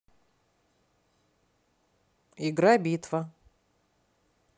игра битва